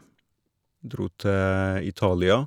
Dro til Italia.